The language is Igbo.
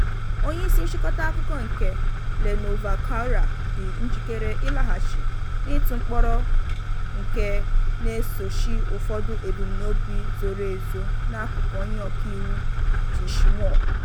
Onyeisi nchịkọta akụkọ nke "Le Nouveau Courrier" dị njikere ịlaghachi n'ịtụ mkpọrọ a nke na-ezochi ụfọdụ ebumnobi zoro ezo n'akụkụ onye ọkaiwu Tchimou.